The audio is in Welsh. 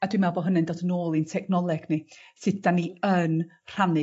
A dwi'n me'wl bo' hynny'n dod nôl i'n technoleg ni sut 'dan ni yn rhannu